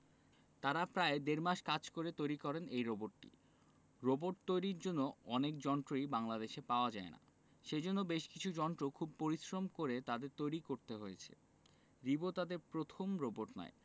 তারা প্রায় দেড় মাস কাজ করে তৈরি করেন এই রোবটটি রোবট তৈরির জন্য অনেক যন্ত্রই বাংলাদেশে পাওয়া যায় না সেজন্য বেশ কিছু যন্ত্র খুব পরিশ্রম করে তাদের তৈরি করতে হয়েছে রিবো তাদের প্রথম রোবট নয়